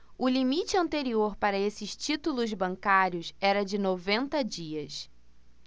o limite anterior para estes títulos bancários era de noventa dias